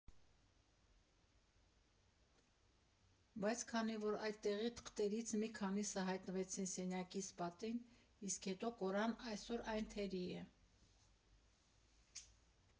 Բայց քանի որ այդտեղի թղթերից մի քանիսը հայտնվեցին սենյակիս պատին, իսկ հետո կորան, այսօր այն թերի է։